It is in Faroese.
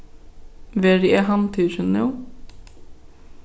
verði eg handtikin nú